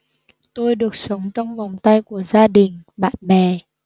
tôi được sống trong vòng tay của gia đình bạn bè